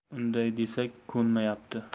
unday desak ko'nmayapti